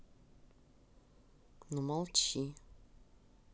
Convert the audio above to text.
ну молчи